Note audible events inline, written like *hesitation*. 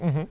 *hesitation* *hesitation*